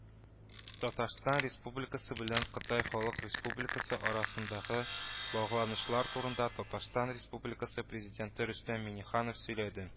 Татарстан Республикасы белән Кытай Халык Республикасы арасындагы багланышлар турында Татарстан Республикасы Президенты Рөстәм Миңнеханов сөйләде